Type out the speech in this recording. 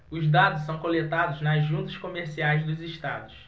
os dados são coletados nas juntas comerciais dos estados